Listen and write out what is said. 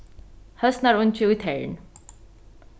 høsnarungi í tern